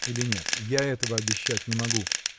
или нет, я этого обещать не могу.